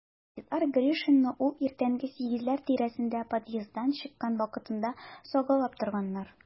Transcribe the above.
Бандитлар Гришинны ул иртәнге сигезләр тирәсендә подъезддан чыккан вакытында сагалап торганнар.